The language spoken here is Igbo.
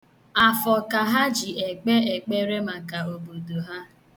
Afọ ka ha ji ekpe ekpere maka obodo ha.